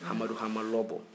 amadu hama lɔbɔ